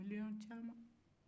miliyɔn caman